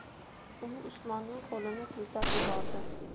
u usmonning qo'lini siltab yubordi